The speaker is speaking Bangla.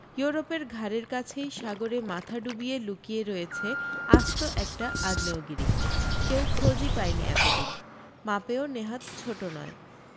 ইউরোপের ঘাড়ের কাছেই সাগরে মাথা ডুবিয়ে লুকিয়ে রয়েছে আস্ত একটা আগ্নেয়গিরি কেউ খোঁজি পায়নি এত দিন মাপেও নেহাত ছোট নয়